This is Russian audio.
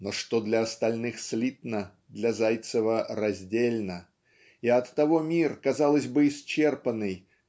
То что для остальных слитно для Зайцева раздельно и оттого мир казалось бы исчерпанный